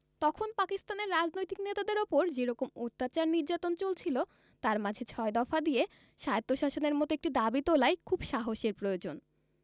তখন পাকিস্তানের রাজনৈতিক নেতাদের ওপর যেরকম অত্যাচার নির্যাতন চলছিল তার মাঝে ছয় দফা দিয়ে স্বায়ত্ব শাসনের মতো একটি দাবি তোলায় খুব সাহসের প্রয়োজন